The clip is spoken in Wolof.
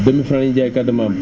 2000F la ñuy jaayee carte membre